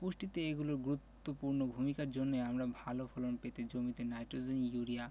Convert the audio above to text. পুষ্টিতে এগুলোর গুরুত্বপূর্ণ ভূমিকার জন্যই আমরা ভালো ফলন পেতে জমিতে নাইট্রোজেন ইউরিয়া